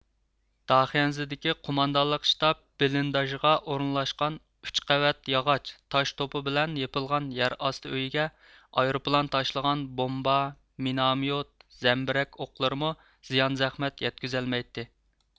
داخىيەنزىدىكى قوماندانلىق شتاب بېلىنداژغا ئورۇنلاشقان ئۈچ قەۋەت ياغاچ تاش توپا بىلەن يېپىلغان يەر ئاستى ئۆيىگە ئايروپىلان تاشلىغان بومبا مىناميوت زەمبىرەك ئوقلىرىمۇ زىيان زەخمەت يەتكۈزەلمەيتتى